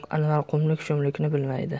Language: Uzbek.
anvar quvlik shumlikni bilmaydi